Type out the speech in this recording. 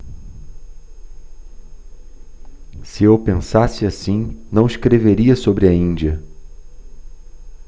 se eu pensasse assim não escreveria sobre a índia